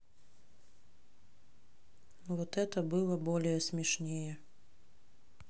вот это было более смешнее